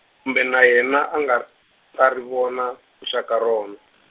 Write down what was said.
kumbe na yena a nga, ta ri vona, ku xa ka rona.